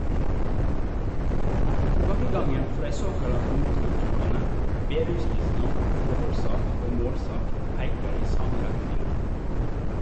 Tilbakegangen for dei såkalla motkulturane (bedehuskristendom, fråhaldssak og målsak) peikar i same retning.